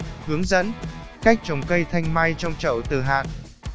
hướng dẫn cách trồng cây thanh mai trong chậu từ hạt